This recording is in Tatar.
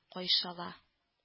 Кайшала